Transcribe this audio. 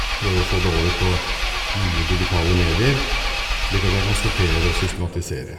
Prøve å få det over på nye digitale medier slik at jeg kan sortere og systematisere.